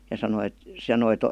ja sanoi että se noita